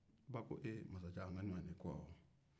a ko an ɲɔgɔn ye